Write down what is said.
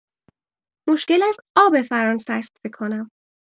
مشکل از آب فرانسه است فک کنم!